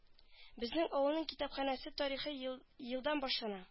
Безнең авылның китапханәсе тарихы ел елдан башлана